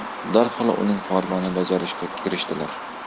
beklar darhol uning farmonini bajarishga kirishdilar